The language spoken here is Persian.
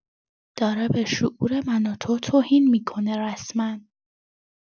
داره به شعور من و تو توهین می‌کنه رسما!